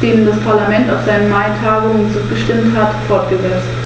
Mitglied des Parlaments bin, und immer wieder habe ich auf das Problem hingewiesen.